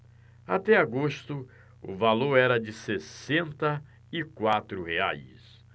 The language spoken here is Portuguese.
até agosto o valor era de sessenta e quatro reais